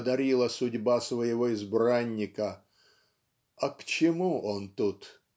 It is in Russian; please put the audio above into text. одарила судьба своего избранника! А к чему он тут